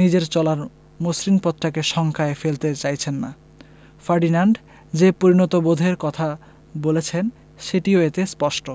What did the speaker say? নিজের চলার মসৃণ পথটাকে শঙ্কায় ফেলতে চাইছেন না ফার্ডিনান্ড যে পরিণতিবোধের কথা বলেছেন সেটিও এতে স্পষ্ট